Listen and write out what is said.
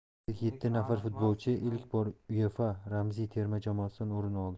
shuningdek yetti nafar futbolchi ilk bor uefa ramziy terma jamoasidan o'rin oldi